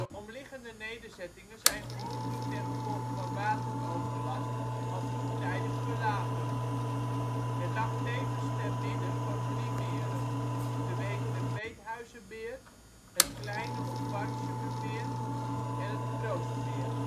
omliggende nederzettingen zijn vermoedelijk ten gevolge van wateroverlast al vroegtijdig verlaten. Het lag tevens te midden van drie meren, te weten het Meedhuizermeer, het Kleine of Farmsumermeer en het Proostmeer